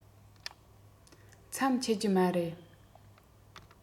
མཚམས ཆད ཀྱི མ རེད